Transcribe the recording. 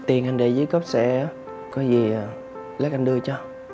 tiền anh để dưới cốp xe ớ có gì lát anh đưa cho